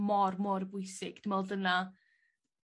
mor mor bwysig dwi me'wl dyna